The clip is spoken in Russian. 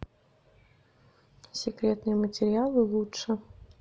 секретные материалы лучше